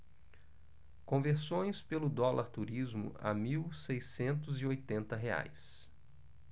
conversões pelo dólar turismo a mil seiscentos e oitenta reais